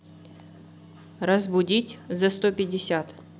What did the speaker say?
разбудить за сто пятьдесят